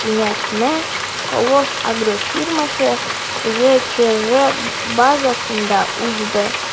Киңәшмә “Колос” агрофирмасы” ҖЧҖ базасында узды.